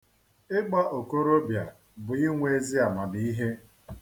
Ịgba okorobịa bụ inwe ezi amamihe.